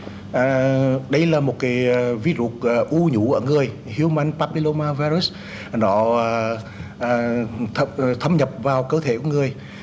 à đây là một ký vi rút u vú ở người hu man pa pi lô ma vai rớt đó à à ờ thâm thâm nhập vào cơ thể con người